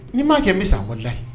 Ni n m'a kɛ n bɛ sa wallahi !